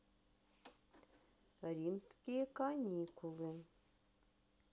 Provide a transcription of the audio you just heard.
римские каникулы